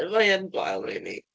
Mae yn gwael rili.